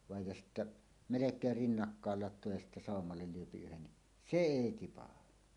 vain ja sitten melkein rinnakkain latoo ja sitten sammalen lyö yhden niin se ei tipahda